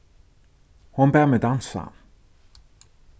hon bað meg dansa